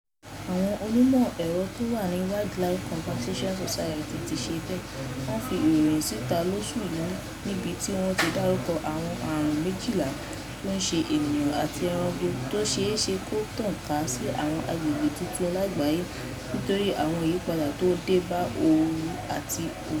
Àwọn onímọ ẹ̀rọ̀ tó wà ní Wildlife Conservation Society (WCS) ti ṣe bẹ́ẹ̀ — Wọ́n fi ìròyìn sítà lóṣù yìí níbi tí wọ́n ti dárukọ àwọn aàrùn 12 tó ń ṣe ènìyàn àti ẹranko tó ṣeé ṣe kó tàn ká sí àwọn agbègbè tuntun lágbàáyé nítorí àwọn ìyípadà tó dé bá ooru àti òjò.